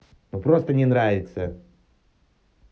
ну просто не нравится